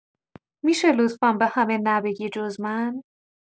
می‌شه لطفا به همه نه بگی، جزمن؟